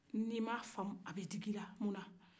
ni i m' a faamu a bɛ digi i la